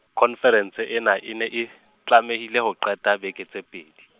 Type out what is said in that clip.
khonferense ena e ne e, tlamehile ho qeta beke tse pedi.